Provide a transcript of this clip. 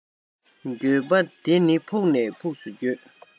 འགྱོད པ དེ ནི ཕུགས ནས ཕུགས སུ འགྱོད